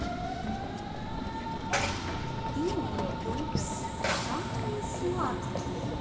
ты мой пупсик самый сладкий